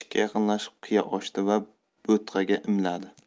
eshikka yaqinlashib qiya ochdi da bo'tqaga imladi